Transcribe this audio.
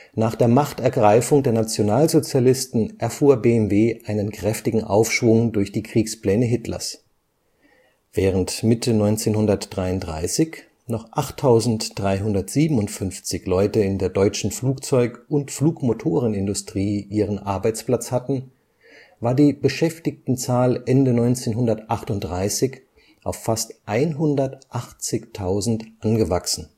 Nach der Machtergreifung der Nationalsozialisten erfuhr BMW einen kräftigen Aufschwung durch die Kriegspläne Hitlers. Während Mitte 1933 noch 8.357 Leute in der deutschen Flugzeug – und Flugmotorenindustrie ihren Arbeitsplatz hatten, war die Beschäftigtenzahl Ende 1938 auf fast 180.000 angewachsen